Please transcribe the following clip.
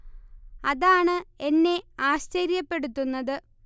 അതാണ് എന്നെ ആശ്ചര്യപ്പെടുത്തുന്നത്